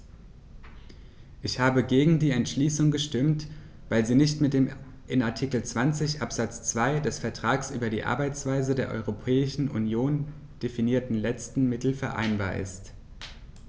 Ich habe gegen die Entschließung gestimmt, weil sie nicht mit dem in Artikel 20 Absatz 2 des Vertrags über die Arbeitsweise der Europäischen Union definierten letzten Mittel vereinbar ist.